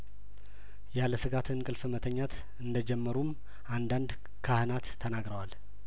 ያለስጋት እንቅልፍ መተኛት እንደጀመሩም አንዳንድ ካህናት ተናግረዋል